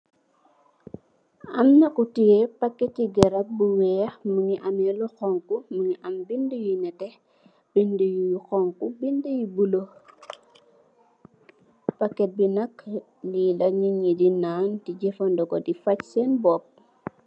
Am na ku tiye paketi garab bu weex, mingi ame lu xonxu, mungi am bind yu nete, bind yu xonxu, bind yu bula, paket bi nak li la ninyi di naan di jafandiko, di facc sen boppu.